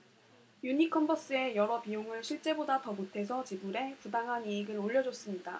유니컨버스에 여러 비용을 실제보다 더 보태서 지불해 부당한 이익을 올려줬습니다